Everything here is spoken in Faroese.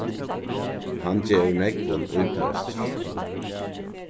hann gevur nógvum íblástur